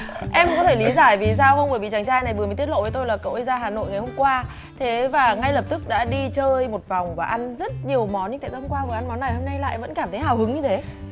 em có thể lý giải vì sao không bởi vì chàng trai này vừa mới tiết lộ với tôi là cậu ấy ra hà nội ngày hôm qua thế và ngay lập tức đã đi chơi một vòng và ăn rất nhiều món nhưng tại sao hôm qua vừa ăn món này hôm nay lại vẫn cảm thấy hào hứng như thế